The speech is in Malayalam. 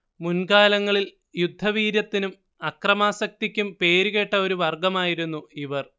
മുൻകാലങ്ങളിൽ യുദ്ധവീര്യത്തിനും അക്രമാസക്തിക്കും പേരുകേട്ട ഒരു വർഗ്ഗമായിരുന്നു ഇവർ